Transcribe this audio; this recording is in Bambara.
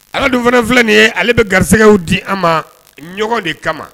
Ala dun fana filɛ nin ye, ale bɛ garisigɛw di an ma ɲɔgɔn de kama.